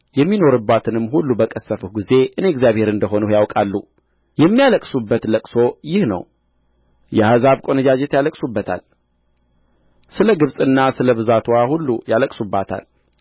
የሚኖሩባትንም ሁሉ በቀሠፍሁ ጊዜ እኔ እግዚአብሔር እንደ ሆንሁ ያውቃሉ የሚያለቅሱበት ልቅሶ ይህ ነው የአሕዛብ ቈነጃጅት ያለቅሱበታል ስለ ግብጽና ስለ ብዛትዋ ሁሉ ያለቅሱበታል